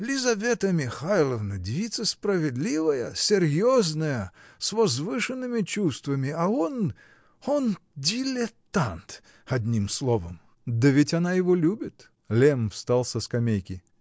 Лизавета Михайловна девица справедливая, серьезная, с возвышенными чувствами, а он. он ди-ле-тант, одним словом. -- Да ведь она его любит? Лемм встал со скамейки.